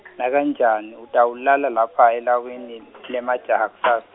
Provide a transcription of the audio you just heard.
nakanjani, utawulala lapha elawini, lemajaha kusasa.